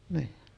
niin